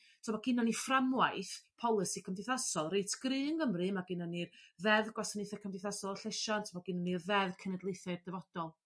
So ma' ginnon ni fframwaith polisi cymdeithasol reit gru yng Ngymru ma ginnon ni ddeddf gwasanaethe cymdeithasol llesiant ma' ginnon ni'r ddeddf cenedlaetha i'r dyfodol